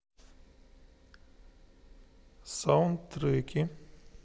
саундтреки